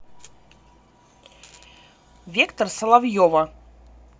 вектор соловьева